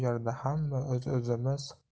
yerda hamma o'z o'zimiz